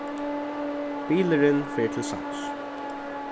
bilurin fer til sands